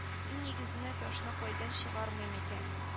Өй нигезенә ташны кайдан чыгарыйм икән